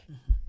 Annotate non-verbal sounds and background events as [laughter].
[hesitation] [hesitation]